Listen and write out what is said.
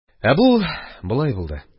Ә бу болай булды